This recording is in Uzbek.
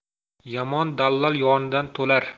yomon dallol yonidan to'lar